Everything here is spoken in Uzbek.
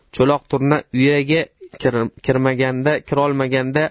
cho'loq turna uyaga kirolmaganda